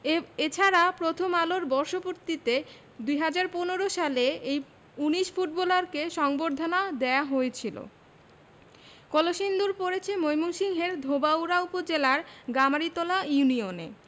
এবএ ছাড়া প্রথম আলোর বর্ষপূর্তিতে ২০১৫ সালে এই ১৯ ফুটবলারকে সংবর্ধনা দেওয়া হয়েছিল কলসিন্দুর পড়েছে ময়মনসিংহের ধোবাউড়া উপজেলার গামারিতলা ইউনিয়নে